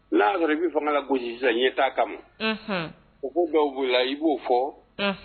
N'a sɔrɔ i bɛ' fanga ka lagosi ɲɛ taa kama o ko dɔ bɛ yen, i b'o fɔ